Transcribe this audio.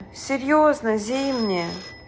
серьезно зимнее